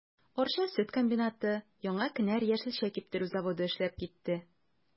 Арча сөт комбинаты, Яңа кенәр яшелчә киптерү заводы эшләп китте.